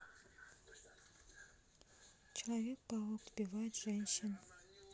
человек паук сбивает женщин